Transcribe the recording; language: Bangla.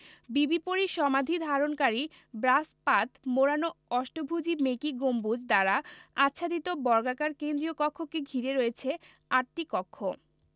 বিবি পরীর সমাধি ধারণকারী ব্রাস পাত মোড়ানো অষ্টভুজী মেকী গম্বুজ দ্বারা আচ্ছাদিত বর্গাকার কেন্দ্রীয় কক্ষকে ঘিরে রয়েছে আটটি কক্ষ